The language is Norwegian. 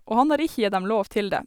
Og han har ikke gitt dem lov til det.